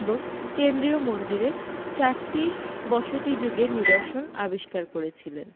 এবং কেন্দ্রীয় মন্দিরে চারটি বসতি যুগের নিদর্শন আবিষ্কার করেছিলেন